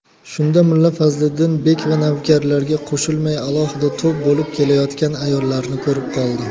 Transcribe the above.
shunda mulla fazliddin bek va navkarlarga qo'shilmay alohida to'p bo'lib kelayotgan ayollarni ko'rib qoldi